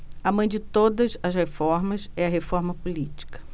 a mãe de todas as reformas é a reforma política